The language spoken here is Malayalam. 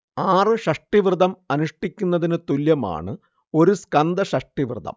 ആറ് ഷഷ്ടിവ്രതം അനുഷ്ഠിക്കുന്നതിനു തുല്യമാണ് ഒരു സ്കന്ദഷഷ്ഠി വ്രതം